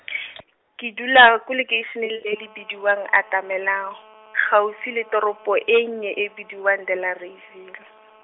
ke dula ko lekeiseneng le le bidiwang Atamelang, gaufi le toropo e nnye e bidiwang Delareyville.